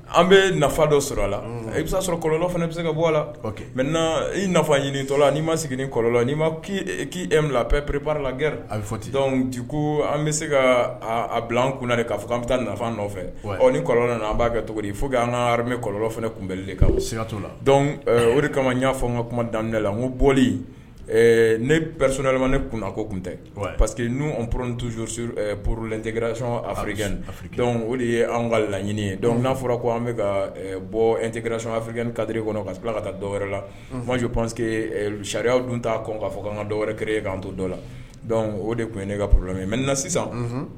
An bɛ nafa dɔ sɔrɔ a la i bɛ sɔrɔ kɔlɔn fana bɛ se ka bɔ la mɛ i nafa ɲini tɔ la ni ma segin ni kɔlɔn ni ma k' e la p perep la gɛrɛ a bɛ fɔti nci ko an bɛ se ka a bila an kun na k'a fɔ an bɛ taa nafa nɔfɛ ni kɔlɔn an b'a kɛ cogo fo anremɛ kɔlɔn fana kun bɛ stu la o de kama y' fɔ ka kuma dan ne la n ko bɔ ne peres ne kun ko tun tɛ pa parce que n' poro porour o de ye an ka laɲini ye dɔnku n'a fɔra ko an bɛ ka bɔ n tɛfi kari kɔnɔ ka tila ka taa dɔwɛrɛ lao pa que sariya dun ta k'a fɔ' ka dɔwɛrɛ kɛrare ye k'an to dɔ la o de tun ye nee ka poro mɛ na sisan